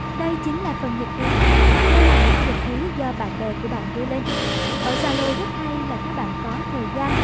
đây chính là phần nhật ký đây là những nhật ký do bạn bè của bạn đưa lên ở zalo rất hay là các bạn có thời gian